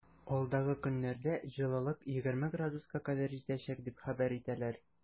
Алдагы көннәрдә җылылык 20 градуска кадәр җитәчәк дип хәбәр итәләр.